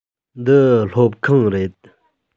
འདི སློབ ཁང རེད